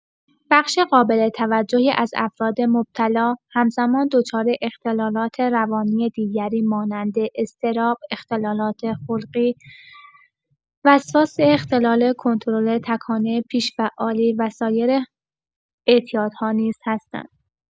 بخش قابل توجهی از افراد مبتلا، هم‌زمان دچار اختلالات روانی دیگری مانند اضطراب، اختلالات خلقی، وسواس، اختلال کنترل تکانه، بیش‌فعالی و سایر اعتیادها نیز هستند.